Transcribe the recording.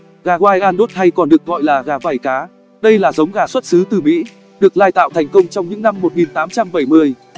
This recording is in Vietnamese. gà wyandotte hay còn được gọi là gà vảy cá đây là giống gà xuất xứ từ mỹ được lai tạo thành công trong những năm